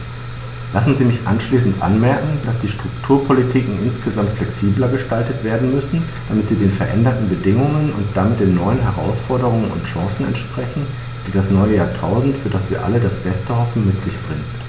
Lassen Sie mich abschließend anmerken, dass die Strukturpolitiken insgesamt flexibler gestaltet werden müssen, damit sie den veränderten Bedingungen und damit den neuen Herausforderungen und Chancen entsprechen, die das neue Jahrtausend, für das wir alle das Beste hoffen, mit sich bringt.